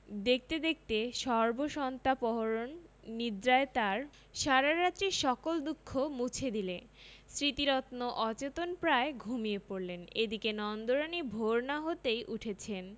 দেখতে দেখতে সর্বসন্তাপহর নিদ্রায় তাঁর সারারাত্রির সকল দুঃখ মুছে দিলে স্মৃতিরত্ন অচেতনপ্রায় ঘুমিয়ে পড়লেন এদিকে নন্দরানী ভোর না হতেই উঠেছেন